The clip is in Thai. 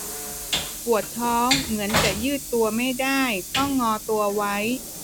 ปวดท้องเหมือนจะยืดตัวไม่ได้ต้องงอตัวไว้